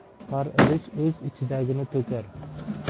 har idish o'z ichidagini to'kar